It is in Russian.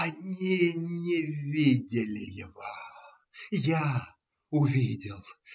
- Они не видели его. Я увидел.